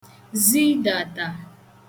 zidàtà